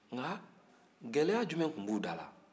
nka gɛlɛya jumɛn tun b'u da la